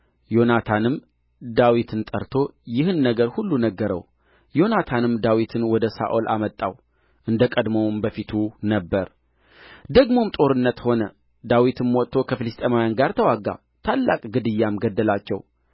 ዮናታንም ዳዊትን ጠርቶ ይህን ነገር ሁሉ ነገረው ዮናታንም ዳዊትን ወደ ሳኦል አመጣው እንደ ቀድሞውም በፊቱ ነበረ ደግሞም ጦርነት ሆነ ዳዊትም ወጥቶ ከፍልስጥኤማውያን ጋር ተዋጋ ታላቅ ግዳይም ገደላቸው